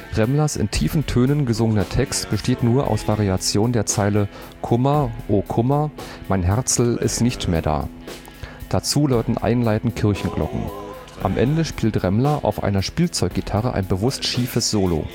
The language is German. Remmlers in tiefen Tönen gesungener Text besteht nur aus Variationen der Zeile „ Kummer, oh Kummer, mein Herzl ist nicht mehr da “. Dazu läuten einleitend Kirchenglocken. Am Ende spielt Remmler auf einer Spielzeuggitarre ein